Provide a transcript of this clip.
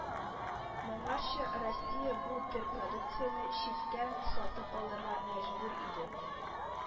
Моңарчы Россия бу төр продукцияне читтән сатып алырга мәҗбүр иде